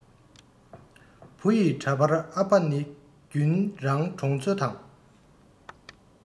བུ ཡི འདྲ པར ཨ ཕ ནི རྒྱུན རང གྲོང ཚོ དང